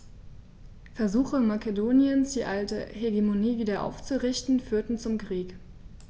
Versuche Makedoniens, die alte Hegemonie wieder aufzurichten, führten zum Krieg.